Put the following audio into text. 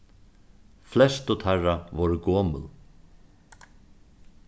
flestu teirra vóru gomul